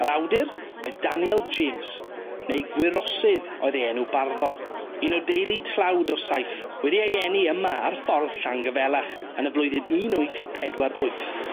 Yr awdur oedd Daniel James neu Gwirosydd oedd ei enw barddol un o deulu tlawd o saith wedi ei eni yma ar ffordd Llangyfelach yn y flwyddyn un wyth pedwar wyth.